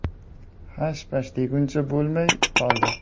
hash pash deguncha bo'lmay qoldi